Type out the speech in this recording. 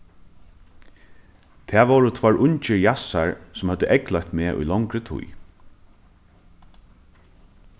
tað vóru tveir ungir jassar sum høvdu eygleitt meg í longri tíð